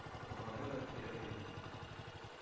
Тулганда да тирә-әйләнәм.